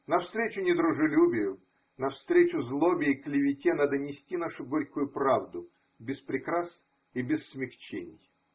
Навстречу недружелюбию, навстречу злобе и клевете надо нести нашу горькую правду без прикрас и без смягчений.